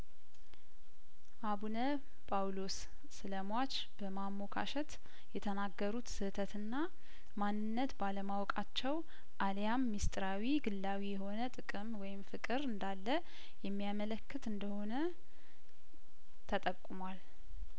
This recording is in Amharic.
አቡነ ጳውሎስ ስለሟች በማሞካሸት የተናገሩት ስህተትና ማንነት ባለማወቃቸው አልያም ምስጢራዊ ግላዊ የሆነ ጥቅም ወይም ፍቅር እንዳለየሚ ያመለክት እንደሆነ ተጠቁሟል